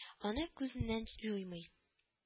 Аны күзеннән җуймый